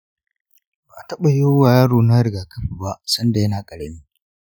ba'a taɓa yi wa yarona rigakafi ba sanda yana ƙarami